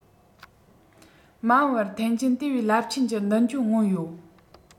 མ འོངས པར ཐེན ཅིན དེ བས རླབས ཆེན གྱི མདུན ལྗོངས མངོན ཡོད